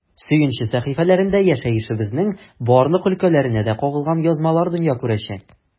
“сөенче” сәхифәләрендә яшәешебезнең барлык өлкәләренә дә кагылган язмалар дөнья күрәчәк.